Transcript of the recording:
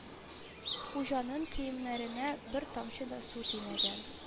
Хуҗаның киемнәренә бер тамчы да су тимәгән